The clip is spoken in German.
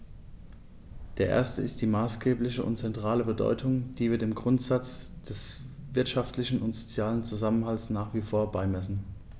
Der erste ist die maßgebliche und zentrale Bedeutung, die wir dem Grundsatz des wirtschaftlichen und sozialen Zusammenhalts nach wie vor beimessen.